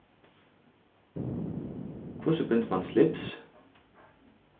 hvussu bindur mann slips